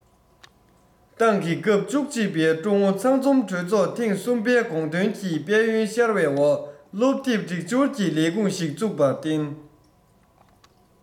ཏང གི སྐབས བཅུ གཅིག པའི ཀྲུང ཨུ ཚང འཛོམས གྲོས ཚོགས ཐེངས གསུམ པའི དགོངས དོན གྱི དཔལ ཡོན ཤར བའི འོག སློབ དེབ སྒྲིག སྦྱོར གྱི ལས ཁུངས ཤིག བཙུགས པར བརྟེན